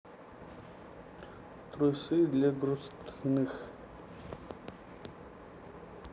трусы для грустных